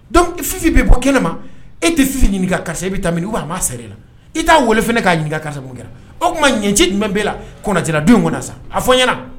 Dɔnfin bɛ bɔ kɛnɛ ne ma e tɛ fi ɲinika i bɛ ta' a ma se e la i t'a weele fana k'a ɲininkasa kɛra o tuma ma ɲɛci jumɛn bɛ la kɔnɔnanadenw kɔnɔ sa a fɔ n ɲɛna